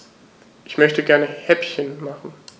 Ich möchte gerne Häppchen machen.